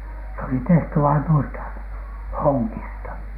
se oli tehty vain noista hongista